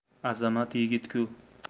azamat yigit ku